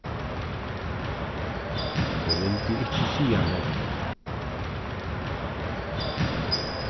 hon vildi ikki siga nógv